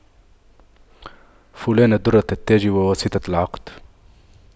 فلان دُرَّةُ التاج وواسطة العقد